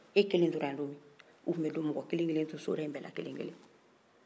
e kelen tora yan cogo min u tun bɛ du mɔgɔ kelen-kelen to soda in bɛɛ la kelen-kelen